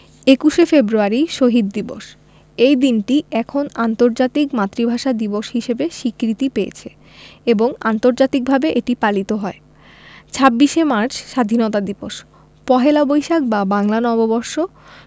২১শে ফেব্রুয়ারি শহীদ দিবস এই দিনটি এখন আন্তর্জাতিক মাতৃভাষা দিবস হিসেবে স্বীকৃতি পেয়েছে এবং আন্তর্জাতিকভাবে এটি পালিত হয় ২৬শে মার্চ স্বাধীনতা দিবস পহেলা বৈশাখ বা বাংলা নববর্ষ